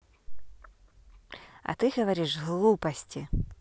а ты говоришь глупости